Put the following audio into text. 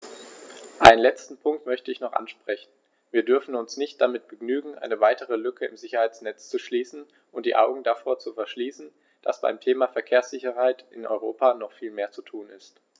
Einen letzten Punkt möchte ich noch ansprechen: Wir dürfen uns nicht damit begnügen, eine weitere Lücke im Sicherheitsnetz zu schließen und die Augen davor zu verschließen, dass beim Thema Verkehrssicherheit in Europa noch viel mehr zu tun ist.